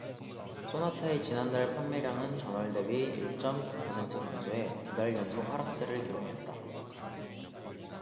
쏘나타의 지난달 판매량은 전월 대비 일 쩜 구 퍼센트 감소해 두 달 연속 하락세를 기록했다